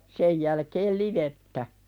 sen jälkeen livettä